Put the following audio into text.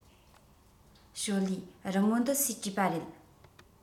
ཞོའོ ལིའི རི མོ འདི སུས བྲིས པ རེད